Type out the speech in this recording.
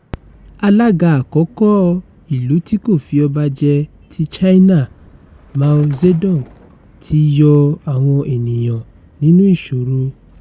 Alága àkọ́kọ́ Ìlú-tí-kò-fi-ọba-jẹ ti China Mao Zedong ti yọ àwọn ènìyàn nínú ìṣòro.